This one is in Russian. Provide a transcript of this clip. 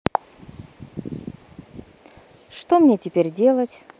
что мне делать теперь